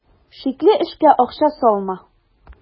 Шикле эшкә акча салма.